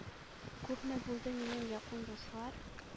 Күпме булды минем якын дуслар,